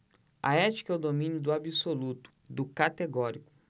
a ética é o domínio do absoluto do categórico